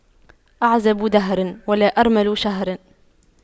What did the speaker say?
أعزب دهر ولا أرمل شهر